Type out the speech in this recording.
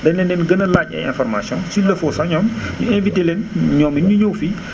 danañ leen gën a laaj ay informations s' il le faut sax ñoom ñu invité leen ñoom it ñu ñëw fii